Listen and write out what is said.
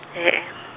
hee.